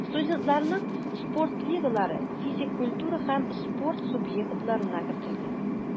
Студентларның спорт лигалары физик культура һәм спорт субъектларына кертелгән.